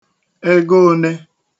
egoonē